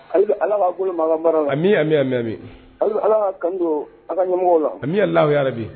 Hali bɛ ala b'a boloma ami an bɛ mɛnmi hali ala'a kanto ala ɲɛmɔgɔ la an laya bi